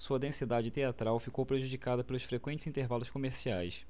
sua densidade teatral ficou prejudicada pelos frequentes intervalos comerciais